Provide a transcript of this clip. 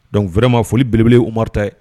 Donc fɛrɛ ma foli bele u mari ta